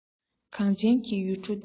གངས ཅན གྱི ཡུལ གྲུ འདིར